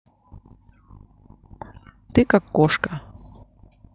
ты как кошка